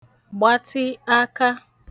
gbati akā